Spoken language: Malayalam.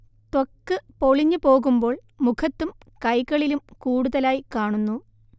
ത്വക്ക് പൊളിഞ്ഞു പോകുമ്പോൾ മുഖത്തും കൈകളിലും കൂടുതലായി കാണുന്നു